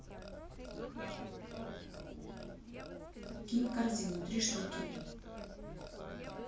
кинь в корзину три штуки